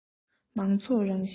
མང ཚོགས རང བཞིན